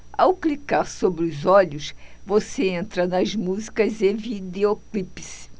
ao clicar sobre os olhos você entra nas músicas e videoclipes